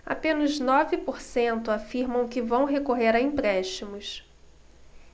apenas nove por cento afirmam que vão recorrer a empréstimos